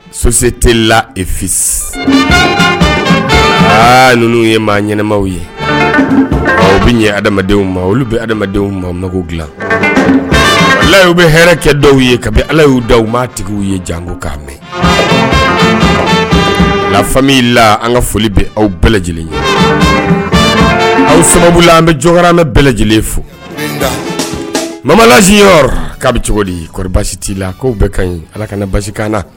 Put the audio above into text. Sososen tla e aa ninnu ye maa ɲɛnaɛnɛmaw ye aw bɛ ye adamadenw ma olu bɛ adamadenw ma mago dilan alaw bɛ hɛrɛɛkɛ dɔw ye ka bɛ ala y'u da aw ma tigiw ye jan kan mɛn lafa la an ka foli bɛ aw bɛɛ lajɛlen ye aw sababu an bɛ jɔnkara anmɛ bɛɛ lajɛlen fo mamalasiyɔrɔ k'a bɛ cogo di koɔri basi t'i la k' bɛ ka ɲi ala kana basi kan na